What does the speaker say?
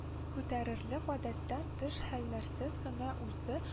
Күтәрерлек гадәттән тыш хәлләрсез гына узды –